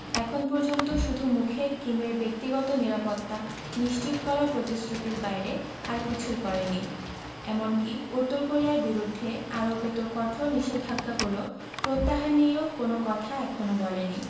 এখন পর্যন্ত শুধু মুখে কিমের ব্যক্তিগত নিরাপত্তা নিশ্চিত করার প্রতিশ্রুতির বাইরে আর কিছুই করেনি এমনকি উত্তর কোরিয়ার বিরুদ্ধে আরোপিত কঠোর নিষেধাজ্ঞাগুলো প্রত্যাহার নিয়েও কোনো কথা এখনো বলেনি